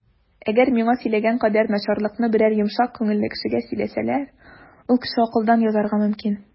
Әгәр миңа сөйләгән кадәр начарлыкны берәр йомшак күңелле кешегә сөйләсәләр, ул кеше акылдан язарга мөмкин.